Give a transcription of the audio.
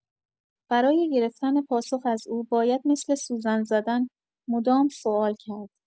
برای گرفتن پاسخ از او باید مثل سوزن زدن مدام سوال کرد.